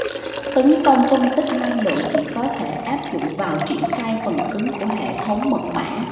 tấn công phân tích năng lượng chỉ có thể áp dụng vào triển khai phần cứng của hệ thống mật mã